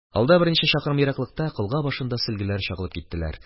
Алда, берничә чакрым ераклыкта, колга башындагы сөлгеләр чагылып киттеләр.